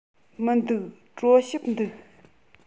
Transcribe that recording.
མི འདུག གྲོ ཞིབ འདུག